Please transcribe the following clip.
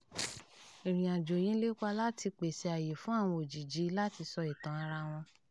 Ìrìnàjò yìí ń lépa láti pèsè àyè fún àwọn òjìjí láti sọ ìtàn ara wọn.